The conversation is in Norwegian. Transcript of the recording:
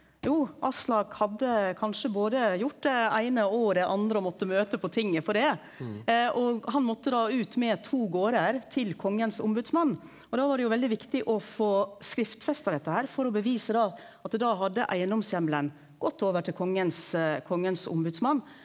jo Aslak hadde kanskje både gjort det eine og det andre og måtte møte på tinget for det, og han måtte da ut med to garder til kongens ombodsmann, og da var det jo veldig viktig å få skriftfesta dette her for å bevise da at da hadde eigedomsheimelen gått over til kongens kongens ombodsmann.